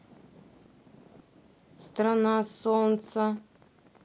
страна солнца